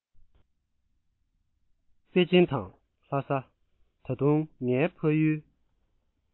པེ ཅིན དང ལྷ ས ད དུང ངའི ཕ ཡུལ